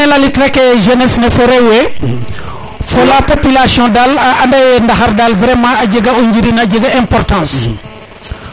kene lalit reke jeunesse ne fo rewe fo la population dal a anda ye ndaxar dal vraiment a jega o njiriñ a jega importance